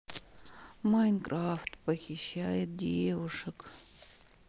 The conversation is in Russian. майнкрафт похищает девушек